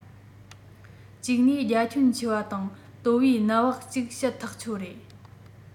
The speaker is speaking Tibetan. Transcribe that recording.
གཅིག ནས རྒྱ ཁྱོན ཆེ བ དང སྟོད བའི ནད བག ཅིག བཤད ཐག ཆོད རེད